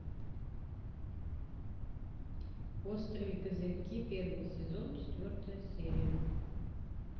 острые козырьки первый сезон четвертая серия